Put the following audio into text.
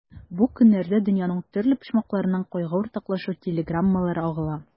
Бу көннәрдә дөньяның төрле почмакларыннан кайгы уртаклашу телеграммалары агыла.